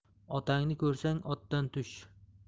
otangni ko'rsang otdan tush